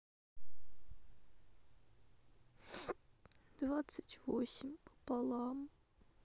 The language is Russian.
двадцать восемь пополам